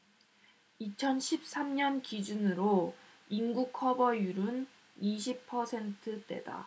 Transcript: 이천 십 삼 년 기준으로 인구 커버율은 이십 퍼센트대다